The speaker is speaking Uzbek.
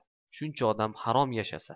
shuncha odam harom yashasa